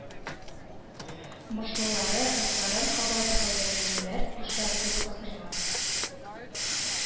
Мышлылары рухларын кабат гәүдәләнүләр аша күп гасырлар